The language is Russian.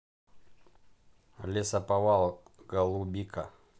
лесоповал голубика